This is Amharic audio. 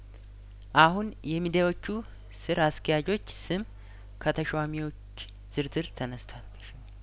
አሁን የሚዲያዎቹ ስር አስኪያጆች ስም ከተሿሚዎች ዝርዝር ተነስቷል